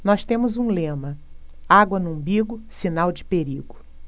nós temos um lema água no umbigo sinal de perigo